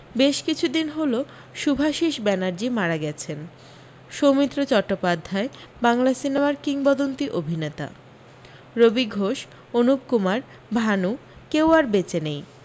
বেশ কিছু দিন হোলো শুভাশিস ব্যানার্জি মারা গেছেন সৌমিত্র চট্টোপাধ্যায় বাংলা সিনেমার কিংবদন্তী অভিনেতা রবি ঘোষ অনুপ কুমার ভানু কেউ আর বেঁচে নেই